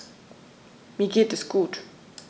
Mir geht es gut.